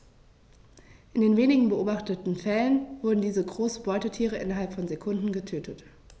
In den wenigen beobachteten Fällen wurden diese großen Beutetiere innerhalb von Sekunden getötet.